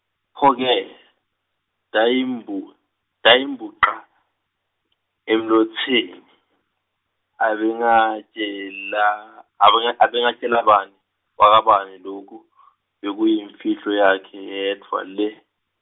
Pho-ke tayibhu-, tayimbuca emlotseni, abengatjela abenga- abengatjela bantfu, wakabani loku , bekuyimfihlo yakhe yedvwa le.